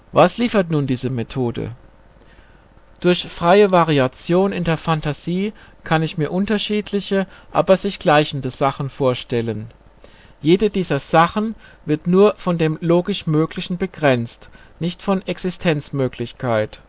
Was liefert nun diese Methode? Durch freie Variation in der Fantasie kann ich mir unterschiedliche aber sich gleichende Sachen vorstellen. Jede dieser Sachen wird nur von dem logisch Möglichen begrenzt, nicht von Existenz-Möglichkeit